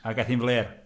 Ac aeth hi'n flêr.